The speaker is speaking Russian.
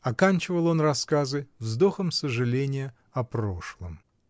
Оканчивал он рассказы вздохом сожаления о прошлом.